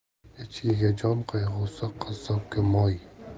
echkiga jon qayg'usi qassobga moy